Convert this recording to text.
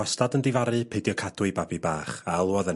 ...wastad yn difaru peidio cadw ei babi bach a alwodd yn...